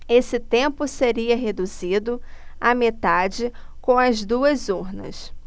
esse tempo seria reduzido à metade com as duas urnas